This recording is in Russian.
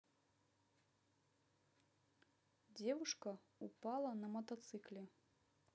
девушка упала на мотоцикле